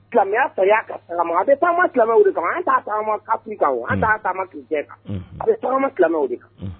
Silamɛya sariya ka tagama, a bɛ taama silamɛw de kan, an ta taama kafiri kan o;Un; An t'a taama chrétien kan; Unhun o a bɛ taama silamɛw o de kan; Un.